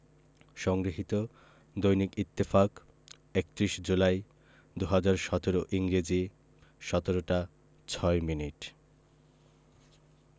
সংগৃহীত দৈনিক ইত্তেফাক ৩১ জুলাই ২০১৭ ইংরেজি ১৭ টা ৬ মিনিট